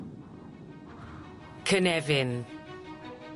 Cynefin.